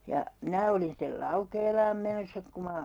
ja minä olin sitten Laukeelaan menossa kun minä